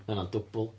Ma' hynna'n dwbl.